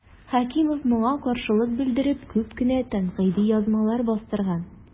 Хәкимов моңа каршылык белдереп күп кенә тәнкыйди язмалар бастырган.